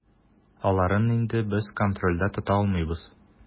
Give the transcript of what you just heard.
Аларын инде без контрольдә тота алмыйбыз.